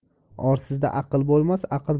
orsizda aql bo'lmas aql